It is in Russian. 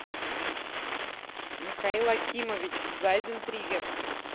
михаил акимович зайден триггер